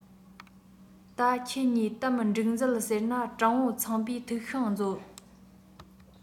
ད ཁྱེད གཉིས གཏམ འགྲིག མཛད ཟེར ན དྲང པོ ཚངས པའི ཐིག ཤིང མཛོད